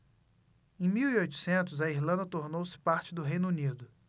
em mil e oitocentos a irlanda tornou-se parte do reino unido